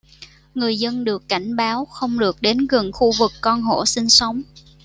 người dân được cảnh báo không được đến gần khu vực con hổ sinh sống